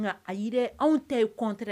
A ye anw tɛ ye kɔnte